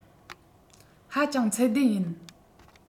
ཧ ཅང ཚད ལྡན ཡིན